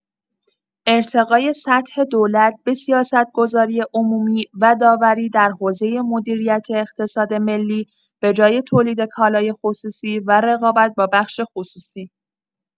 ارتقای سطح دولت به سیاست‌گذاری عمومی و داوری در حوزۀ مدیریت اقتصاد ملی بجای تولید کالای خصوصی و رقابت با بخش خصوصی